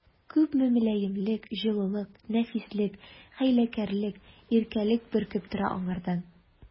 Күпме мөлаемлык, җылылык, нәфислек, хәйләкәрлек, иркәлек бөркелеп тора аңардан!